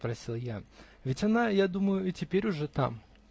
-- спросил я, -- ведь она, я думаю, и теперь уже там.